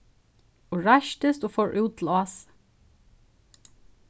og reistist og fór út til ásu